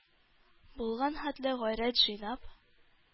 Булган хәтле гайрәт җыйнап: